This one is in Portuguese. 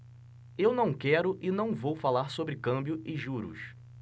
eu não quero e não vou falar sobre câmbio e juros